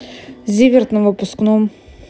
зиверт на выпускном